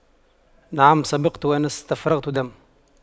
نعم سبقت وأن استفرغت دم